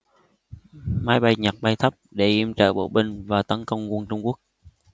máy bay nhật bay thấp để yểm trợ bộ binh và tấn công quân trung quốc